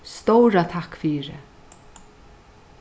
stóra takk fyri